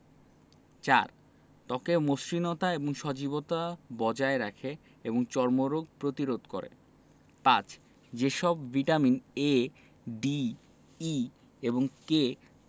৪ ত্বকের মসৃণতা এবং সজীবতা বজায় রাখে এবং চর্মরোগ প্রতিরোধ করে ৫ যে সব ভিটামিন A D E এবং K